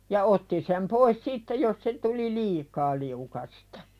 ja otti sen pois sitten jos se tuli liikaa liukasta